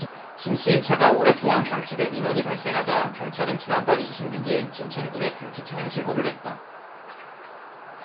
김씨의 차가 오랫동안 방치돼 민원이 발생하자 경찰은 지난달 이십 육 일 진천군에 방치 차량 신고를 했다